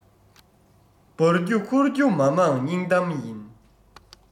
འབར རྒྱུ འཁོར རྒྱུ མ མང སྙིང གཏམ ཡིན